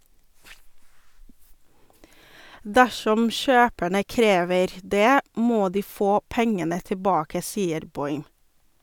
- Dersom kjøperne krever det, må de få pengene tilbake, sier Boym.